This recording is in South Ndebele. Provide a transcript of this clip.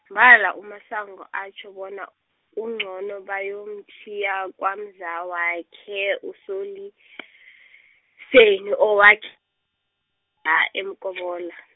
mbala uMasango atjho bona, kuncono bayomtjhiya kwamzawakhe uSoLiseni owakh- la eMkobola.